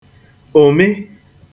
ụ̀mị